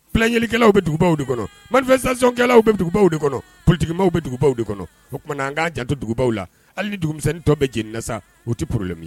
Filayelikɛlaw bɛ dugubaw de kɔnɔ manifestation kɛlaw bɛ dugubaw de kɔnɔ politique maaw bɛ dugubaw de kɔnɔ o kumana an ka janto dugubaw la hali ni dugumisɛnnin tɔw bɛɛ jenina sa u ti_ problàme ye